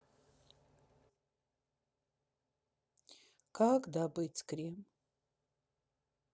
как добыть крем